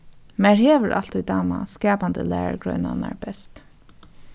mær hevur altíð dámað skapandi lærugreinarnar best